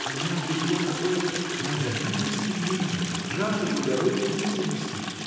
– Меня влекло какое-то неодолимое стремление жажда благородной деятельности